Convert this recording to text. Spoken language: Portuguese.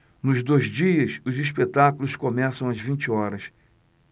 nos dois dias os espetáculos começam às vinte horas